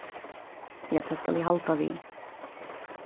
ja tað skal eg halda við